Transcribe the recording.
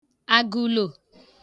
agụụlo